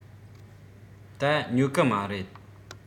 ད ཉོ གི མ རེད